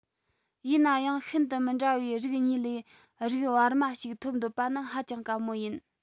ཡིན ན ཡང ཤིན ཏུ མི འདྲ བའི རིགས གཉིས ལས རིགས བར མ ཞིག ཐོབ འདོད པ ནི ཧ ཅང དཀའ མོ ཡིན